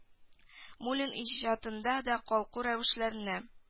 Муллин иҗатында да калку рәвешләнә